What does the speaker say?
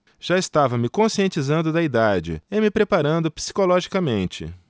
já estava me conscientizando da idade e me preparando psicologicamente